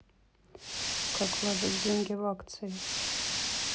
как вложить деньги в акции